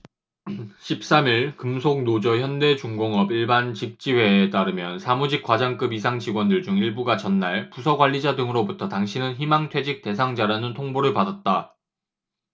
십 삼 일 금속노조 현대중공업 일반직지회에 따르면 사무직 과장급 이상 직원들 중 일부가 전날 부서 관리자 등으로부터 당신은 희망퇴직 대상자라는 통보를 받았다